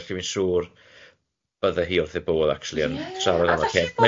felly fi'n siŵr bydde hi wrth ei bodd acshyli yn siarad am y peth a falle bod